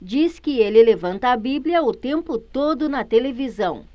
diz que ele levanta a bíblia o tempo todo na televisão